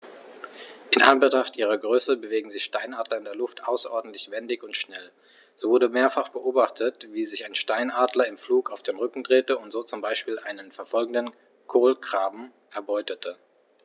In Anbetracht ihrer Größe bewegen sich Steinadler in der Luft außerordentlich wendig und schnell, so wurde mehrfach beobachtet, wie sich ein Steinadler im Flug auf den Rücken drehte und so zum Beispiel einen verfolgenden Kolkraben erbeutete.